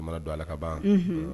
Don ala ka ban